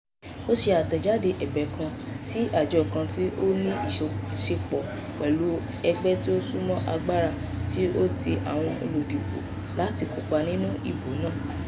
Ó ṣe àtẹ̀jáde ẹ̀bẹ̀ kan tí àjọ kan tí ó ní ìsopọ̀ pẹ̀lú ẹgbẹ́ tí ó súnmọ́ agbára tí ó ń ti àwọn olùdìbò láti kópa nínú ìdìbò náà.